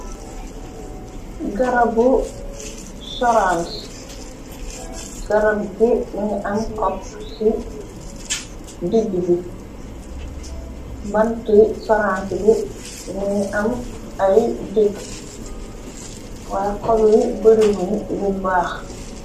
garabu soranse garab gi ni am xopp ci digg bi banki soranse bi muy am ay digg waya xobwi berixuñ bu baax